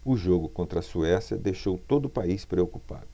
o jogo contra a suécia deixou todo o país preocupado